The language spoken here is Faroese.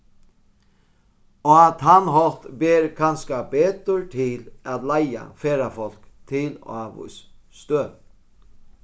á tann hátt ber kanska betur til at leiða ferðafólk til ávís støð